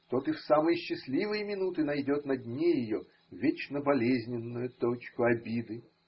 тот и в самые счастливые минуты найдет на дне ее вечно болезненную точку обиды.